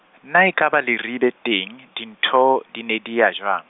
na ekaba Leribe teng, dintho, di ne di eya jwang.